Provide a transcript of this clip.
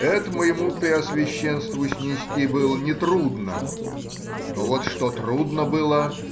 Это моему преосвященству снести было не трудно, но вот что трудно было